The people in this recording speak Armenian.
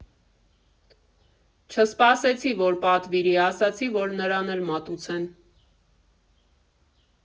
Չսպասեցի, որ պատվիրի, ասացի, որ նրան էլ մատուցեն։